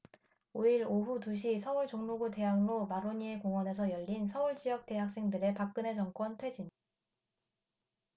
오 일 오후 두 시 서울 종로구 대학로 마로니에 공원에서 열린 서울지역 대학생들의 박근혜 정권 퇴진